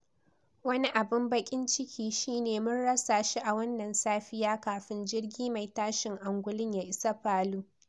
Wani abin bakin ciki shi ne mun rasa shi a wannan safiya kafin jirgi mai tashin angulun ya isa Palu.